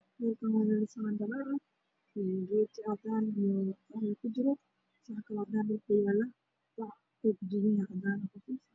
Halkaan waxaa yaalo saxan balaar ah rooti cadaan aa ku jiro saxan kaloo cadaan dhulkuu yaalaa waxuu ku jiraa cadaan eh.